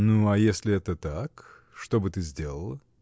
— Ну а если это так, что бы ты сделала?